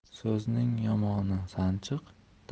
so'zning yomoni sanchiq